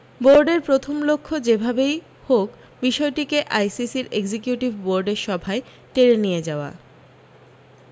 বোরডের প্রথম লক্ষ্য যে ভাবেই হোক বিষয়টিকে আইসিসির এগজিকিউটিভ বোরডের সভায় টেনে নিয়ে যাওয়া